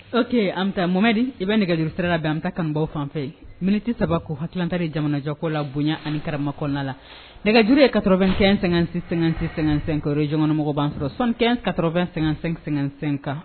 Ok an bɛ taa, Mɔhamɛdi, i bɛ nɛgɛjuru sira labɛn. An bɛ taa kanubagaw fan fɛ minutes saba ko hakilila ta di jamana jɔ ko la, bonya ani karama kɔnɔna la, nɛgɛjuru ye 95 56 56 55 région kɔnɔ mɔgɔw b'an sɔrɔ 75 80 55 55